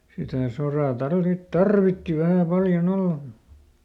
sitä soraa - tarvitsi vähän paljon olla mutta